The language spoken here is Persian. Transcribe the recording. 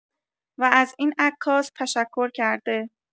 و از این عکاس تشکرکرده.